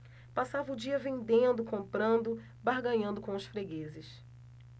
passava o dia vendendo comprando barganhando com os fregueses